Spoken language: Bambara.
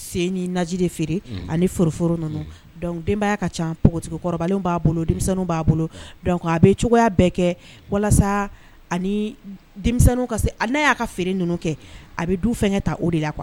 Se ni naji de feere ani forooro denbaya y'a ka ca pkɔrɔba b'a bolo b'a bolo a bɛ cogoya bɛɛ kɛ walasa ani ka se na y'a ka feere ninnu kɛ a bɛ du fɛn ta o de la kuwa